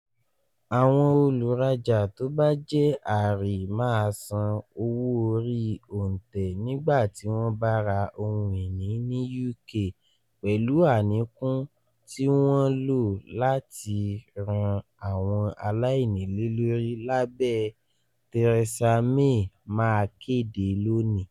Àwọn olùrajà tó bá jẹ́ àrè máa san owó orí òǹtẹ̀ nígbàtí wọ́n bá ra ohun iní ní UK pẹ̀lú àníkún tí wọ́n lò láti ran àwọn aláìnílélórí lábẹ̀, Therasa May máa kéde lónìí.